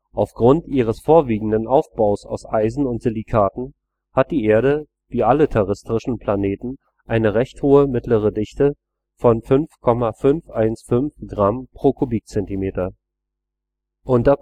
Aufgrund ihres vorwiegenden Aufbaus aus Eisen und Silikaten hat die Erde wie alle terrestrischen Planeten eine recht hohe mittlere Dichte von 5,515 g/cm3